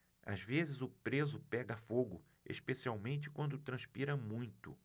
às vezes o preso pega fogo especialmente quando transpira muito